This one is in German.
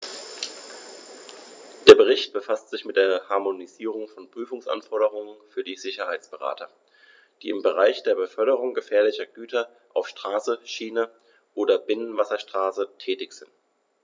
Der Bericht befasst sich mit der Harmonisierung von Prüfungsanforderungen für Sicherheitsberater, die im Bereich der Beförderung gefährlicher Güter auf Straße, Schiene oder Binnenwasserstraße tätig sind.